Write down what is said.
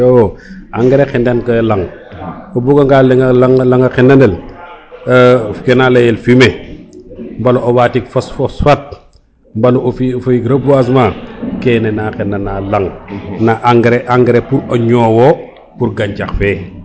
iyo engrais xendan koy laŋ o buga nga laŋ a xendanel kena leyel fumier wala o wandik fasfosfade mbala o fi ik reboisemnt kene na xendana laŋ na engaris pour o ñowo pour gancax fe